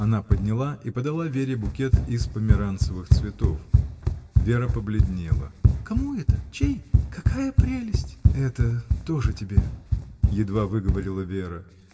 Она подняла и подала Вере букет из померанцевых цветов. Вера побледнела. — Кому это? чей? Какая прелесть! — Это. тоже тебе. — едва выговорила Вера.